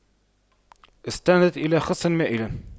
استندت إلى خصٍ مائلٍ